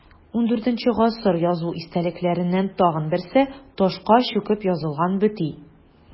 ХIV гасыр язу истәлекләреннән тагын берсе – ташка чүкеп язылган бөти.